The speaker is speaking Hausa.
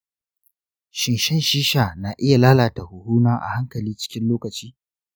shin shan shisha na iya lalata huhuna a hankali cikin lokaci?